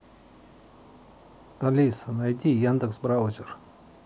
алиса найди яндекс браузер